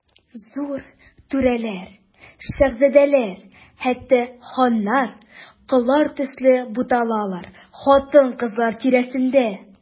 Зур түрәләр, шаһзадәләр, хәтта ханнар, коллар төсле буталалар хатын-кызлар тирәсендә.